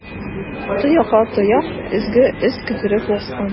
Тоякка тояк, эзгә эз китереп баскан.